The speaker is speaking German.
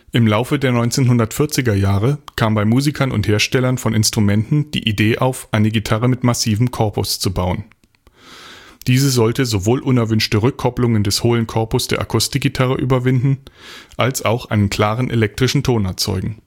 Im Laufe der 1940er Jahre kam bei Musikern und Herstellern von Instrumenten die Idee auf, eine Gitarre mit massivem Korpus zu bauen. Diese sollten sowohl unerwünschte Rückkopplungen des hohlen Korpus der Akustikgitarre überwinden, als auch einen klaren elektrischen Ton erzeugen